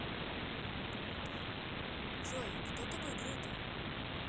джой кто такой грут